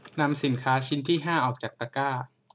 นำสินค้าชิ้นที่ห้าออกจากตะกร้า